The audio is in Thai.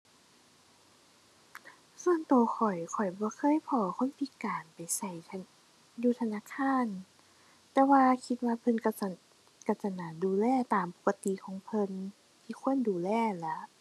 ส่วนตัวข้อย ข้อยบ่เคยพ้อคนพิการไปตัว อยู่ธนาคาร แต่ว่าคิดว่าเพิ่นตัวจะ ตัวจะน่าดูแลตามปกติของเพิ่น ที่ควรดูแลหั้นล่ะ